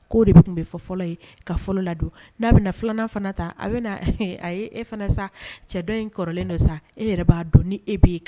Ko de tun bɛ fɔ fɔlɔ ye ka fɔlɔ ladon n'a bɛna filanan fana ta a a e fana sa cɛ dɔ in kɔrɔlen dɔ sa e yɛrɛ b'a dɔn ni e' e kan